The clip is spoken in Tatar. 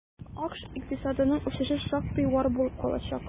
АКШ икътисадының үсеше шактый югары булып калачак.